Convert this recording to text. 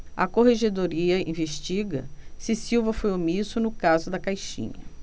a corregedoria investiga se silva foi omisso no caso da caixinha